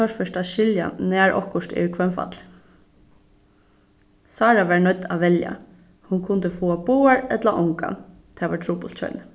torført at skilja nær okkurt er í hvønnfalli sára var noydd at velja hon kundi fáa báðar ella ongan tað var trupult hjá henni